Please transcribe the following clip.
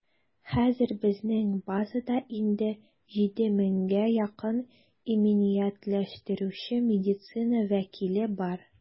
Хәзер безнең базада инде 7 меңгә якын иминиятләштерүче медицина вәкиле бар.